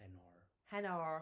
Henour... Henor